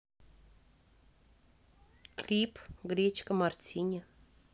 клип гречка мартини